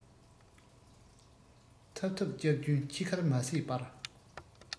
འཐབ འཐབ ལྕག རྒྱུན ཁྱི ཁར མ ཟད པར